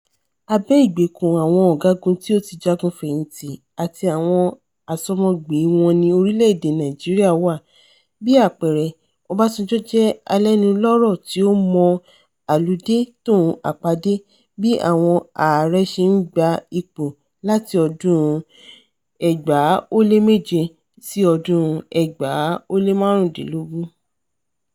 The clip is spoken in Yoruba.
Abẹ ìgbèkùn àwọn ọ̀gágun tí ó ti jagun fẹ̀yìntì àti àwọn asọ́mogbée wọn ni orílẹ̀-èdè Nàìjíríà wà. Bí àpẹẹrẹ, Ọbásanjọ́ jẹ́ alẹ́nulọ́rọ̀ tí ó mọ àludé tòun àpadé bí àwọn Ààrẹ ṣe ń gba ipò láti ọdún 2007 sí 2015.